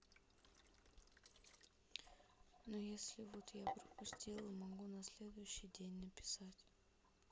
но если вот я пропустила могу на следующий день написать